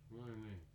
vai niin